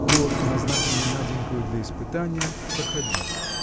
Год, назначенный Наденькою для испытания, проходил.